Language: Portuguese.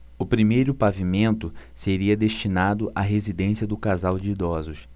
o primeiro pavimento seria destinado à residência do casal de idosos